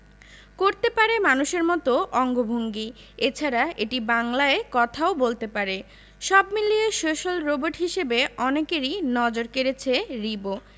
করতে পারে মানুষের মতো অঙ্গভঙ্গি এছাড়া এটি বাংলায় কথাও বলতে পারে সব মিলিয়ে সোশ্যাল রোবট হিসেবে অনেকেরই নজর কেড়েছে রিবো